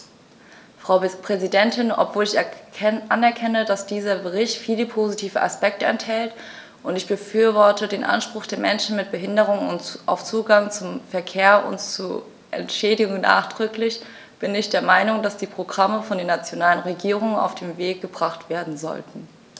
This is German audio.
Frau Präsidentin, obwohl ich anerkenne, dass dieser Bericht viele positive Aspekte enthält - und ich befürworte den Anspruch der Menschen mit Behinderung auf Zugang zum Verkehr und zu Entschädigung nachdrücklich -, bin ich der Meinung, dass diese Programme von den nationalen Regierungen auf den Weg gebracht werden sollten.